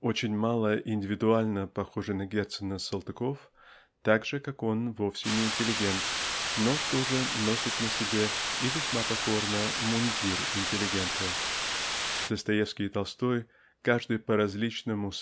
Очень мало индивидуально похожий на Герцена Салтыков так же как он вовсе не интеллигент но тоже носит на себе и весьма покорно мундир интеллигента. Достоевский и Толстой каждый по различному